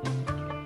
Hɛrɛ